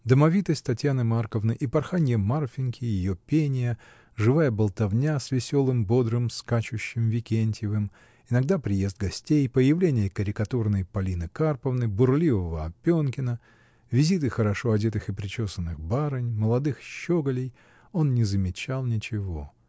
Домовитость Татьяны Марковны и порханье Марфиньки, ее пение, живая болтовня с веселым, бодрым, скачущим Викентьевым, иногда приезд гостей, появление карикатурной Полины Карповны, бурливого Опенкина, визиты хорошо одетых и причесанных барынь, молодых щеголей — он не замечал ничего.